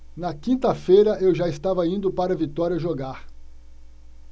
na quinta-feira eu já estava indo para vitória jogar